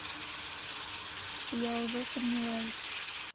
я уже сомневаюсь